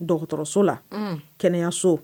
Dɔgɔtɔrɔso la kɛnɛyayaso